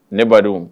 Ne badenw